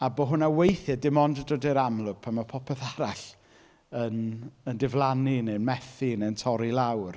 A bo' hwnna weithiau dim ond yn dod i'r amlwg pan ma' popeth arall yn yn diflannu neu'n methu neu'n torri lawr.